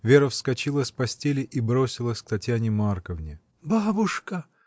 Вера вскочила с постели и бросилась к Татьяне Марковне. — Бабушка!